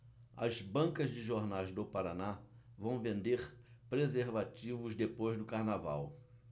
as bancas de jornais do paraná vão vender preservativos depois do carnaval